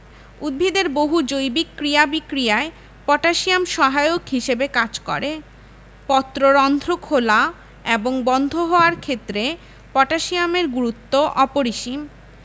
উদ্ভিদের বহু জৈবিক ক্রিয়া বিক্রিয়ায় পটাশিয়াম সহায়ক হিসেবে কাজ করে পত্ররন্ধ্র খেলা এবং বন্ধ হওয়ার ক্ষেত্রে পটাশিয়ামের গুরুত্ব অপরিসীম